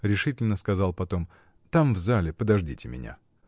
— решительно сказал потом, — там в зале подождите меня!